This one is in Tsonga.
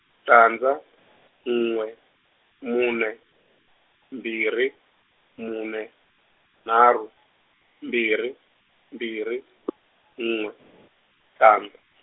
tandza n'we mune, mbhiri mune nharhu mbhiri mbhiri n'we tandza.